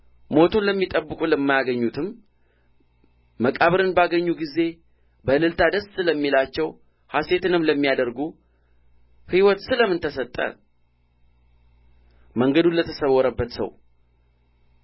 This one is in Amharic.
ሞትን ለሚጠብቁ ለማያገኙትም መቃብርን ባገኙ ጊዜ በእልልታ ደስ ለሚላቸው ሐሤትንም ለሚያደርጉ ሕይወት ስለ ምን ተሰጠ መንገዱ ለተሰወረበት ሰው